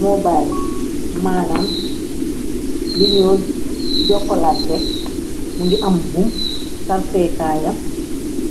Mobay maanam luñuo jokkolante mu ngi am buum sarseekaayam